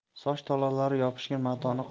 soch tolalari yopishgan matoni